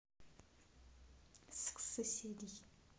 секс соседей